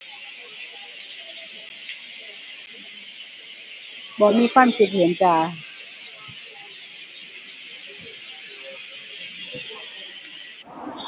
บ่มีความคิดเห็นจ้า